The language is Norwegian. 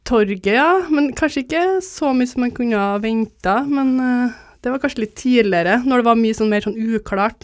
torget ja men kanskje ikke så mye som man kunne ha venta men det var kanskje litt tidligere når det var mye sånn mer sånn uklart.